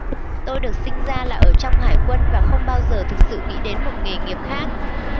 tôi được sinh ra là ở trong hải quân và không bao giờ thực sự nghĩ đến một nghề nghiệp khác